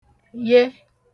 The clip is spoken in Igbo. ye